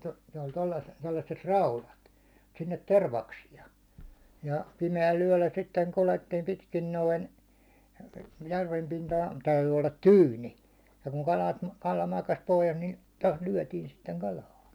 - ne oli - tuollaiset raudat sinne tervaksia ja pimeällä yöllä sitten kuljettiin pitkin noin järven pintahan täytyi olla tyyni ja kun kalat kala makasi pohjassa niin tuosta lyötiin sitten kalaa